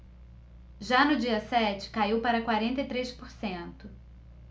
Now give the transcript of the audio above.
já no dia sete caiu para quarenta e três por cento